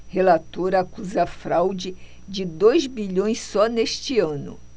relator acusa fraude de dois bilhões só neste ano